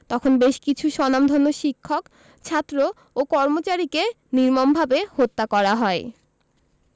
তখন বেশ কিছু স্বনামধন্য শিক্ষক ছাত্র ও কর্মচারীকে নির্মমভাবে হত্যা করা হয়